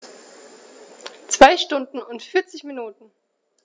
2 Stunden und 40 Minuten